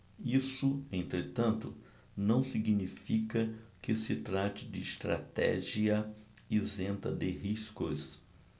isso entretanto não significa que se trate de estratégia isenta de riscos